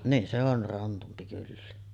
niin se on krantumpi kyllä